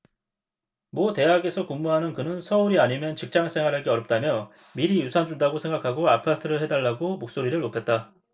모 대학에서 근무하는 그는 서울이 아니면 직장생활하기 어렵다며 미리 유산 준다고 생각하고 아파트를 해 달라고 목소리를 높였다